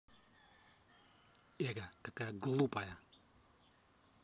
ego какая глупая